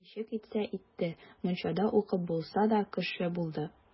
Ничек итсә итте, мунчада укып булса да, кеше булды.